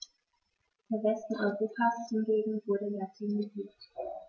Der Westen Europas hingegen wurde latinisiert.